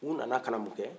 u nana ka na mun kɛ